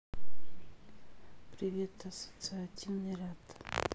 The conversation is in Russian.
привет ассоциативный ряд